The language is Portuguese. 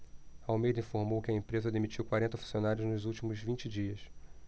almeida informou que a empresa demitiu quarenta funcionários nos últimos vinte dias